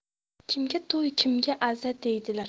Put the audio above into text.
kimga to'y kimga aza deydilar